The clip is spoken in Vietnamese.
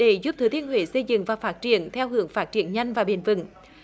để giúp thừa thiên huế xây dựng và phát triển theo hướng phát triển nhanh và bền vững